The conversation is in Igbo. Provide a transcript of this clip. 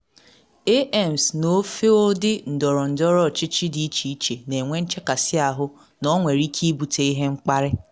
AMs n’ofe ụdị ndọrọndọrọ ọchịchị dị iche iche na enwe nchekasị ahụ na ọ nwere ike ibute ihe mkparị.